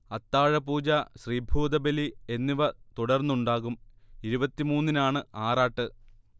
അത്താഴപൂജ, ശ്രീഭൂതബലി എന്നിവ തുടർന്നുണ്ടാകും ഇരുപത്തിമൂന്നിനാണ് ആറാട്ട്